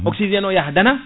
oxygéne o yaha dana